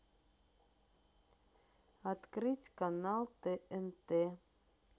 открыть канал тнт